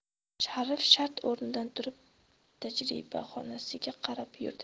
sharif shart o'rnidan turib tajribaxonasiga qarab yurdi